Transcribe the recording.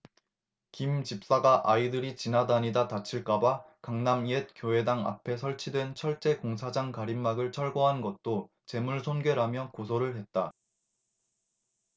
김 집사가 아이들이 지나다니다 다칠까 봐 강남 옛 교회당 앞에 설치된 철제 공사장 가림막을 철거한 것도 재물손괴라며 고소를 했다